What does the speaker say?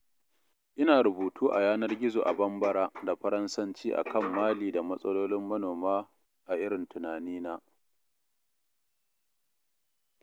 Ina rubutu a yanar gizo a Bambara da Faransanci a kan Mali da matsalolin manoma a irin tunanina